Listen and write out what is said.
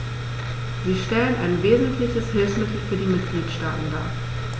Sie stellen ein wesentliches Hilfsmittel für die Mitgliedstaaten dar.